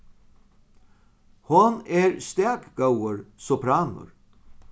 hon er stakgóður sopranur